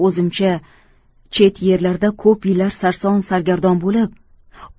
o'zimcha chet yerlarda ko'p yillar sarson sargardon bo'lib